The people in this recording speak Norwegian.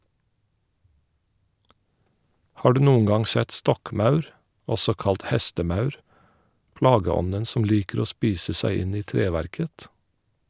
Har du noen gang sett stokkmaur , også kalt hestemaur , plageånden som liker å spise seg inn i treverket?